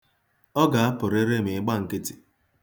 Ọ ga-apụrịrị ma ị gba nkịtị.